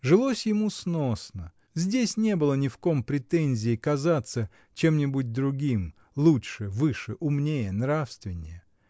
Жилось ему сносно: здесь не было ни в ком претензии казаться чем-нибудь другим, лучше, выше, умнее, нравственнее